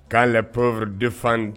K'a ppy defa